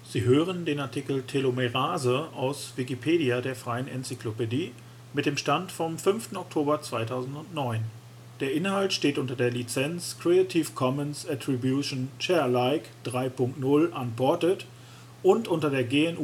Sie hören den Artikel Telomerase, aus Wikipedia, der freien Enzyklopädie. Mit dem Stand vom Der Inhalt steht unter der Lizenz Creative Commons Attribution Share Alike 3 Punkt 0 Unported und unter der GNU